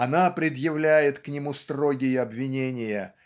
Она предъявляет к нему строгие обвинения